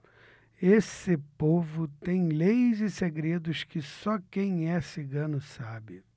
esse povo tem leis e segredos que só quem é cigano sabe